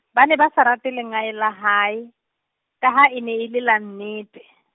ba ne ba sa rate lengae la hae, ka ha e ne e le la nnete.